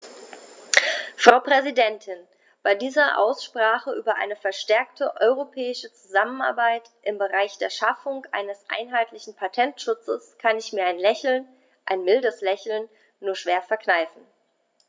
Frau Präsidentin, bei dieser Aussprache über eine verstärkte europäische Zusammenarbeit im Bereich der Schaffung eines einheitlichen Patentschutzes kann ich mir ein Lächeln - ein mildes Lächeln - nur schwer verkneifen.